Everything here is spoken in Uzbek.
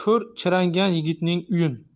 ko'r chirangan yigitning uyin